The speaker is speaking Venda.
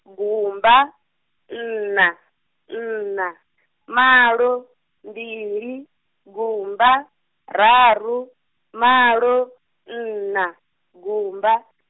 gumba, nṋa, nṋa, malo, mbili, gumba, raru, malo, nṋa, gumba.